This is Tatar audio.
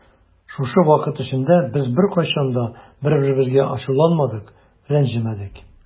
Шушы вакыт эчендә без беркайчан да бер-беребезгә ачуланмадык, рәнҗемәдек.